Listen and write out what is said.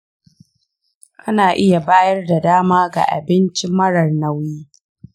ana iya bayar da dama ga abinci marar-nauyi